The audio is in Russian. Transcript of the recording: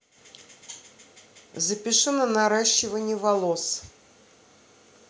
запиши на наращивание волос